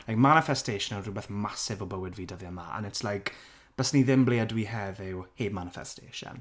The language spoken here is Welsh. mae manifestation yn rywbeth massive o bywyd fi dyddie 'ma and it's like byse ni ddim ble ydw i heddiw, heb manifestation.